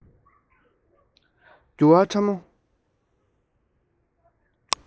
རྒྱུ བ ཕྲ མོ